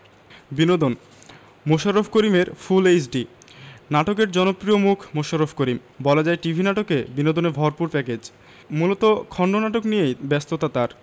বিনোদন মোশাররফ করিমের full HD নাটকের জনপ্রিয় মুখ মোশাররফ করিম বলা যায় টিভি নাটকে বিনোদনে ভরপুর প্যাকেজ মূলত খণ্ডনাটক নিয়েই ব্যস্ততা তার